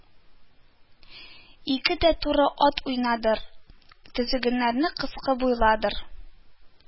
Ике дә туры ат уйныйдыр //Тезгеннәре кыска буйлыдыр